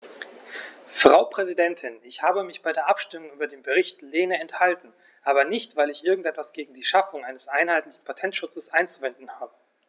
Frau Präsidentin, ich habe mich bei der Abstimmung über den Bericht Lehne enthalten, aber nicht, weil ich irgend etwas gegen die Schaffung eines einheitlichen Patentschutzes einzuwenden habe.